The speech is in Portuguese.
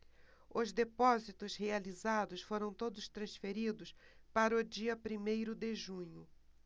os depósitos realizados foram todos transferidos para o dia primeiro de junho